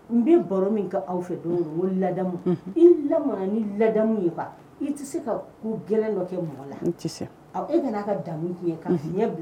N n bɛ baro min ka aw fɛ don ko ladamu i lammana ni ladamu ye i tɛ se ka ku gɛlɛ dɔ kɛ mɔgɔ la n tɛ e bɛna'a ka damu tun ye ka ɲɛ bila